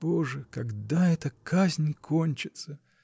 — Боже, когда эта казнь кончится?